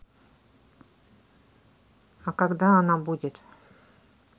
а когда она будет